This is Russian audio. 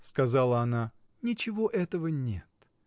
— сказала она, — ничего этого нет.